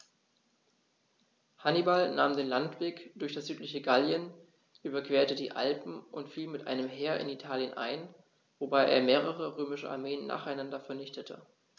Hannibal nahm den Landweg durch das südliche Gallien, überquerte die Alpen und fiel mit einem Heer in Italien ein, wobei er mehrere römische Armeen nacheinander vernichtete.